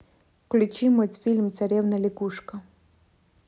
включи мультфильм царевна лягушка